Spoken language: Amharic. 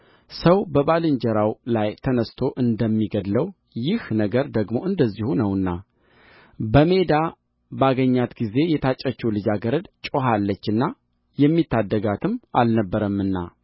ሰው በባልንጀራው ላይ ተነሥቶ እንደሚገድለው ይህ ነገር ደግሞ እንደዚሁ ነውና በሜዳ ባገኛት ጊዜ የታጨችው ልጃገረድ ጮኻለችና የሚታደጋትም አልነበረምና